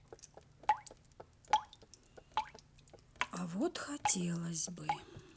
а вот хотелось бы